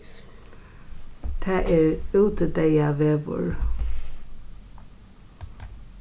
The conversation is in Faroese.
tað er útideyðaveður